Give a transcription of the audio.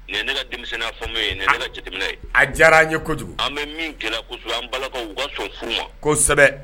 Nin ne ka denmisɛnnin fɔ ye ne ka jateminɛ ye a diyara an ye kojugu an bɛ min gɛlɛ an balakaw wagasɔn furu ma kosɛbɛ